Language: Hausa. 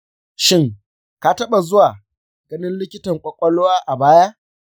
shin ka taɓa zuwa ganin likitan kwakwalwa a baya?